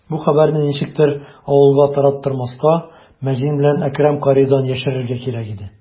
Бу хәбәрне ничектер авылга тараттырмаска, мәзин белән Әкрәм каридан яшерергә кирәк иде.